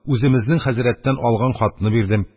Үземезнең хәзрәттән алган хатны бирдем.